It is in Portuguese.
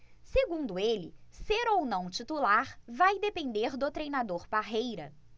segundo ele ser ou não titular vai depender do treinador parreira